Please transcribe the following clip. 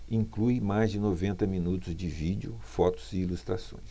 inclui mais de noventa minutos de vídeo fotos e ilustrações